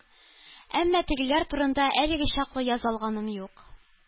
Әмма тегеләр турында әлегә чаклы яза алганым юк.